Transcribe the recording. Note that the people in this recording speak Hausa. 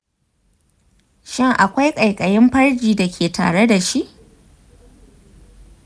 shin akwai ƙaiƙayin farji da ke tare da shi?